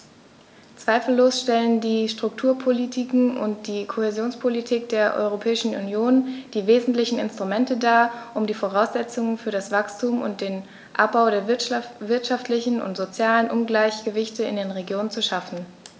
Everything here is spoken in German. Zweifellos stellen die Strukturpolitiken und die Kohäsionspolitik der Europäischen Union die wesentlichen Instrumente dar, um die Voraussetzungen für das Wachstum und den Abbau der wirtschaftlichen und sozialen Ungleichgewichte in den Regionen zu schaffen.